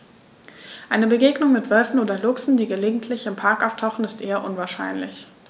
Eine Begegnung mit Wölfen oder Luchsen, die gelegentlich im Park auftauchen, ist eher unwahrscheinlich.